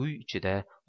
uy ichida